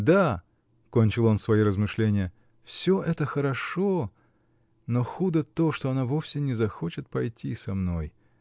Да, -- кончил он свои размышления, -- все это хорошо, но худо то, что она вовсе не захочет пойти со мной.